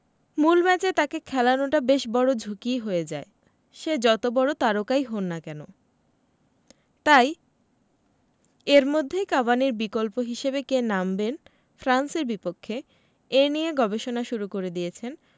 মূল ম্যাচে তাঁকে খেলানোটা বেশ বড় ঝুঁকিই হয়ে যায় সে যত বড় তারকাই হোন না কেন তাই এর মধ্যেই কাভানির বিকল্প হিসেবে কে নামবেন ফ্রান্সের বিপক্ষে এই নিয়ে গবেষণা শুরু করে দিয়েছেন